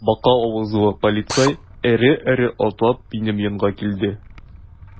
Бака авызлы полицай эре-эре атлап минем янга килде.